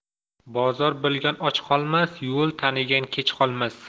bozor bilgan och qolmas yo'l tanigan kech qolmas